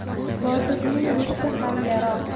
botirning mushti ham yarog'